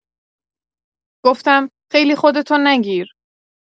گفتم: «خیلی خودتو نگیر.»